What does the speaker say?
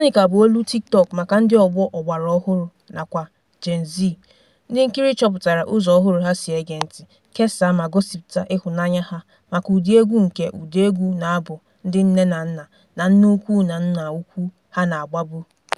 Veronica bụ olu TikTok maka ndị ọgbọ ọgbaraọhụrụ a nakwa Gen Z - ndị nkiri chọpụtara ụzọ ọhụrụ ha sị e gee ntị, kesaa ma gosịpụta ịhụnanya ha maka ụdị egwu nke ụdaegwu na abụ ndị nne na nna na nneukwu na nnàúkwú ha na-agbabu.